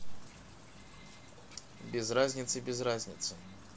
без разницы без разницы